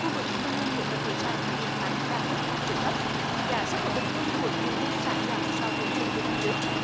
khu vực nông lâm nghiệp và thủy sản chín tháng đạt mức tăng trưởng thấp giá xuất khẩu bình quân của nhiều nông sản giảm so với cùng kỳ năm trước